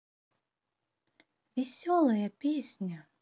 веселая песня